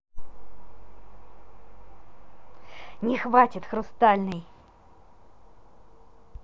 не хватит хрустальный